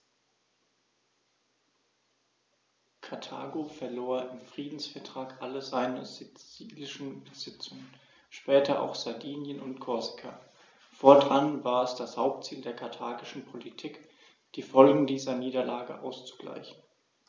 Karthago verlor im Friedensvertrag alle seine sizilischen Besitzungen (später auch Sardinien und Korsika); fortan war es das Hauptziel der karthagischen Politik, die Folgen dieser Niederlage auszugleichen.